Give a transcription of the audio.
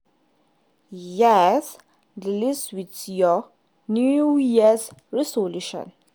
Yes, the list with your New Year’s Resolutions.